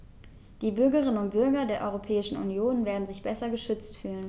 Die Bürgerinnen und Bürger der Europäischen Union werden sich besser geschützt fühlen.